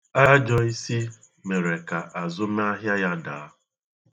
Ajọisi mere ka azụmahịa ya daa.